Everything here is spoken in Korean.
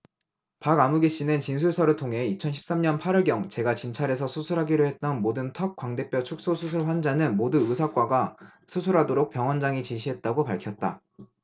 박아무개씨는 진술서를 통해 이천 십 삼 년 팔 월경 제가 진찰해서 수술하기로 했던 모든 턱광대뼈축소수술 환자는 모두 의사 과 가 수술하도록 병원장이 지시했다고 밝혔다